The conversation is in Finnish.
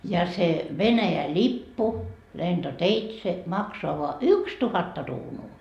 ja se Venäjän lippu lentoteitse maksaa vain yksituhatta kruunua